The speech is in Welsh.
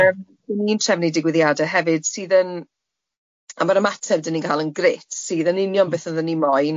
Yym ni'n trefnu digwyddiade hefyd sydd yn, a ma'r ymateb dan ni'n cal yn grêt, sydd yn union beth oedden ni moyn.